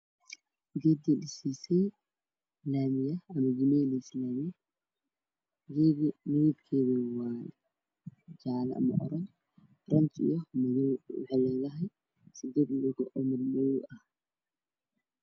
Meeshaan waa lami d ah waxaa maro xaqiiqooyin xaqiiqda madow hariiq waa caddaan waxaana taagan nin oo samaynaya laamiga